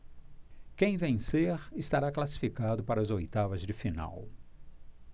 quem vencer estará classificado para as oitavas de final